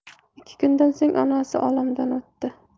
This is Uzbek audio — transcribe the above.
ikki kundan so'ng onasi olamdan o'tdi